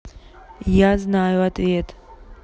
я знаю ответ